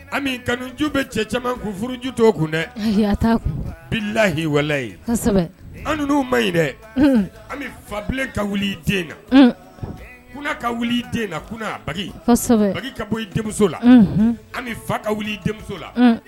Ami kanuju bɛ cɛ caman kun furuju to o kun dɛ bilahiwalayi an ma ɲi dɛ an fabilen ka wuli i den na kun ka wuli i den na a ba ka bɔ i denmuso la ami fa ka wuli i denmuso la